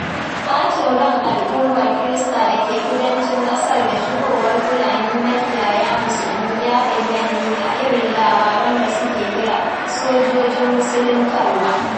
ɓacin ran al'ummar Kirista da ke kudancin ƙasar da shigowar Fulani makiyaya Musulmi ya bayyana ne a irin labaran da suke kira "Sojojin Musuluntarwa"